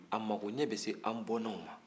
a makoɲɛ bɛ se an bɔnaw ma